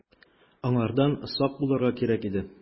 Аңардан сак булырга кирәк иде.